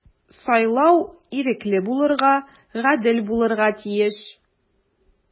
Сайлау ирекле булырга, гадел булырга тиеш.